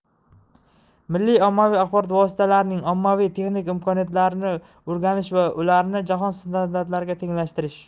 milliy ommaviy axborot vositalarining moliyaviy texnik imkoniyatlarini o'rganish va ularni jahon standartlariga tenglashtirish